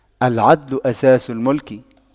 العدل أساس الْمُلْك